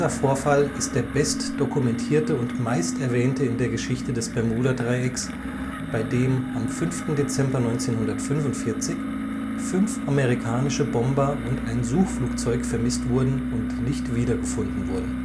Vorfall ist der bestdokumentierte und meisterwähnte in der Geschichte des Bermudadreiecks, bei dem am 5. Dezember 1945 fünf amerikanische Bomber und ein Suchflugzeug vermisst wurden und nicht wiedergefunden wurden